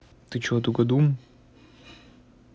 ты че тугадум